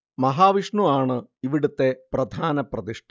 മഹാവിഷ്ണു ആണ് ഇവിടത്തെ പ്രധാന പ്രതിഷ്ഠ